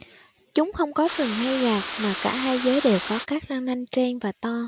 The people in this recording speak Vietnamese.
chúng không có sừng hay gạc mà cả hai giới đều có các răng nanh trên và to